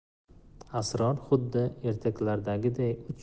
asror xuddi ertaklardagiday uch